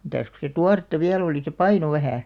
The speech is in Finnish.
mitäs kun se tuoretta vielä oli se painoi vähän